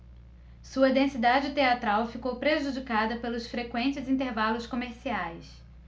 sua densidade teatral ficou prejudicada pelos frequentes intervalos comerciais